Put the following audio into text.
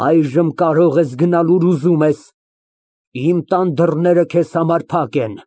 Այժմ կարող ես գնալ, ուր որ ուզում ես, իմ տան դռները քեզ համար փակ են։